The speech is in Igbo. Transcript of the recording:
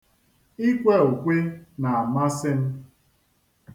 Ikwe ukwe na-amasị m.